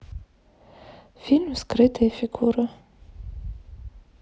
фильм скрытые фигуры